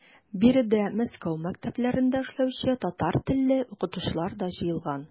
Биредә Мәскәү мәктәпләрендә эшләүче татар телле укытучылар да җыелган.